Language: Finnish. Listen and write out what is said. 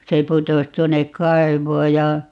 se putosi tuonne kaivoon ja